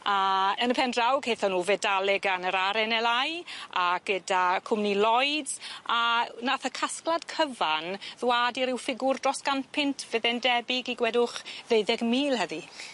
A yn y pen draw cethon nw fedale gan yr Are En El I a geda cwmni Lloyds a nath y casglad cyfan ddwad i ryw ffigwr dros gant punt fydd e'n debyg i gwedwch ddeuddeg mil heddi.